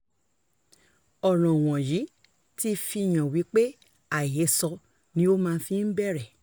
Ọ̀ràn wọ̀nyí ti fi hàn wípé àhesọ ni ó máa fi ń bẹ̀rẹ̀ .